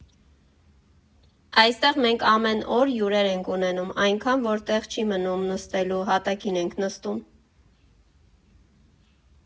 Այստեղ մենք ամեն օր հյուրեր ենք ունենում, այնքան, որ տեղ չի մնում նստելու, հատակին են նստում։